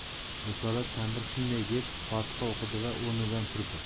risolat kampir shunday deb fotiha o'qidi da o'rnidan turdi